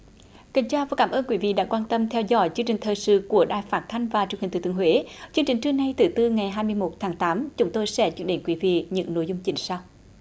kính chào và cảm ơn quý vị đã quan tâm theo dõi chương trình thời sự của đài phát thanh và truyền hình thừa thiên huế chương trình trưa nay thứ tư ngày hai mươi mốt tháng tám chúng tôi sẽ chuyển đến quý vị những nội dung chính sau